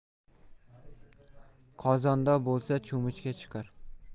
qozonda bo'lsa cho'michga chiqar